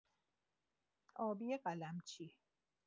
آبی قلمچی